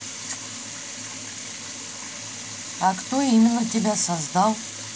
а кто именно тебя создал